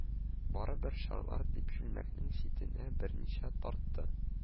Барыбер чарлар дип, чүлмәкнең читенә берничә тартты